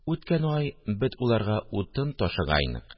Үткән яй бед уларга утын ташыгайнык